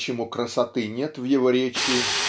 почему красоты нет в его речи